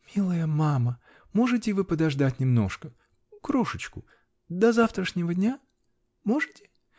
-- Милая мама, можете вы подождать немножко, крошечку. до завтрашнего дня? Можете?